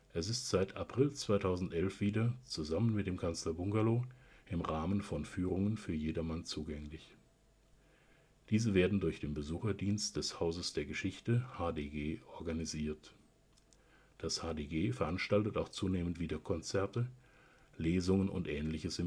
es ist seit April 2011 wieder - zusammen mit dem Kanzlerbungalow - im Rahmen von Führungen für jedermann zugänglich. Diese werden durch den Besucherdienst des Hauses der Geschichte (HdG) organisiert. Das HdG veranstaltet auch zunehmend wieder Konzerte, Lesungen und ähnliches